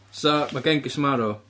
So, ma' Genghis yn marw.